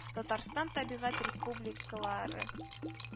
Татарстан табигать республикалары